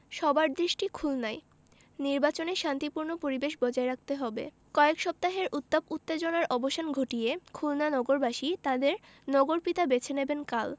সবার দৃষ্টি খুলনায় নির্বাচনে শান্তিপূর্ণ পরিবেশ বজায় রাখতে হবে কয়েক সপ্তাহের উত্তাপ উত্তেজনার অবসান ঘটিয়ে খুলনা নগরবাসী তাঁদের নগরপিতা বেছে নেবেন কাল